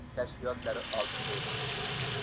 kashfiyotlari oldinda edi